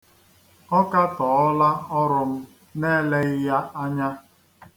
Ọ katọọla ọrụ m na-eleghị ya anya.